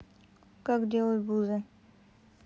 как делают бузы